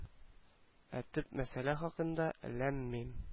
Ә төп мәсьәлә хакында ләм-мим